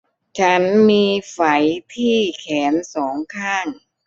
ฉันมีไฝที่แขนสองข้าง